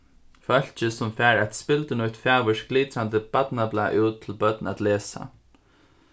fólkið sum fær eitt spildurnýtt fagurt glitrandi barnablað út til børn at lesa